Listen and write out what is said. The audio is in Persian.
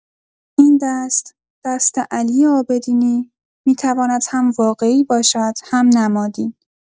این دست، دست علی عابدینی، می‌تواند هم واقعی باشد، هم نمادین.